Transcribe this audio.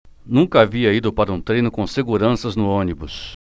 nunca havia ido para um treino com seguranças no ônibus